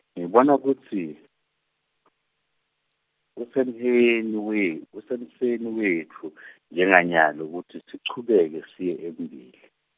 ngibona kutsi, umsebenti wet-, umsebenti wetfu njenganyalo kutsi sichubeke siye embili .